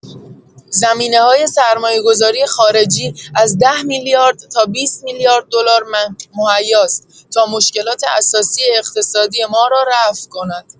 زمینه‌های سرمایه‌گذاری خارجی از ۱۰ میلیارد تا ۲۰ میلیارد دلار مهیاست تا مشکلات اساسی اقتصادی ما را رفع کند.